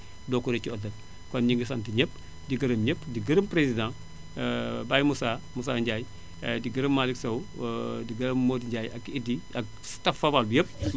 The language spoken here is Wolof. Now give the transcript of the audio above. doo ko réccu ëllëg kon ñu ngi sant ñëpp di gërëm ñëpp di gërëm président Baye Moussa Moussa Ndiaye di gërëm Malick sow di gërëm Modou Ndiaye ak Idy ak staf Fapal bi yépp